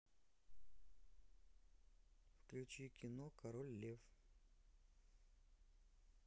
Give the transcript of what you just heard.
включи кино король лев